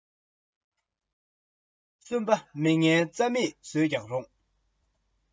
གཉིས པ བེས པའི ཐོག ཏུ ཉེས རྡུང ཐོང